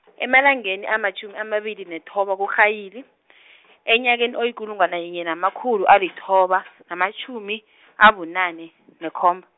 emalangeni amatjhumi amabili nethoba kuMrhayili , enyakeni oyikulungwane yinye namakhulu alithoba, namatjhumi, abunane, nekhomba.